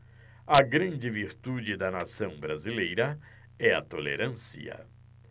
a grande virtude da nação brasileira é a tolerância